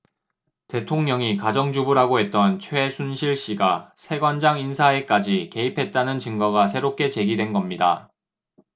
대통령이 가정주부라고 했던 최순실씨가 세관장 인사에까지 개입했다는 증거가 새롭게 제기된겁니다